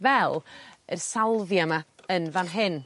Fel yr salvia 'ma yn fan hyn.